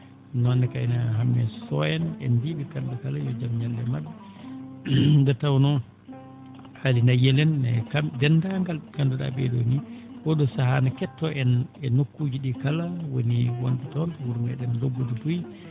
noon ne kay no Hammet Sow en en mbiyii ɓe kamɓe kala yo jam ñalle maɓɓe nde tawnoo Haly Nayyel en e kamɓe e denndaangal ɓe ngannduɗaa ɓee ɗoo nii ooɗoo sahaa no kettoo en e nokkuuji ɗi kala woni wonɓe toon to wuro meeɗen Lobbudu Bouy